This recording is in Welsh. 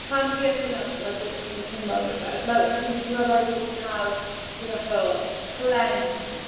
Pan fi yn mynd adref a gwed dros hanner tymor neu rywbeth, mae'r... fi'n teimlo fel bod fi'n cael rhyw fath o cleanse.